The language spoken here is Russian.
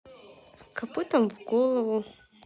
копытом в голову